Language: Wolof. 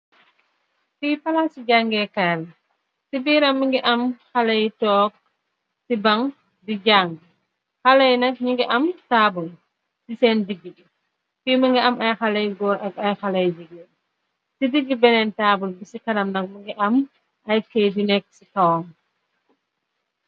fiy palaa ci jàngee kaar yi ci biiram mi ngi am xaley toog ci ban di jàng xaley nak gni ngi am taabul ci seen digg gi fiy më ngi am ay xaley góor ak ay xaley jiggéey ci digg beneen taabul bi ci kalam nak mi ngi am ay kay di nekk ci towm